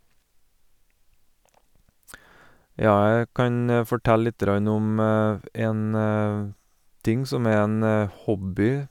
Ja, jeg kan fortelle lite grann om en ting som er en hobby.